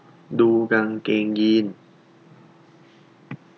ดูกางเกงยีนส์